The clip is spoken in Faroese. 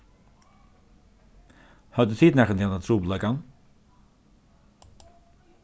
høvdu tit nakrantíð handa trupulleikan